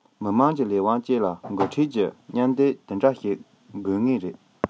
མཉམ སྡེབ གང ལ ཡང སྲོག ཤིང ཞིག ཡོད དགོས